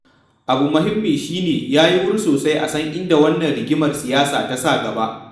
Abu muhimmi shi ne, ya yi wuri sosai a san inda wannan rigimar siyasa ta sa gaba.